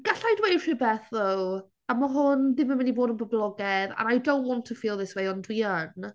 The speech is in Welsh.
Galla i dweud rhywbeth ddo a ma' hwn ddim yn mynd i fod yn boblogaidd, and I don't want to feel this way, ond dwi yn.